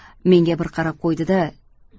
u menga bir qarab qo'ydi da